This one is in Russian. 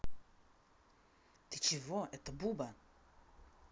ты чего это буба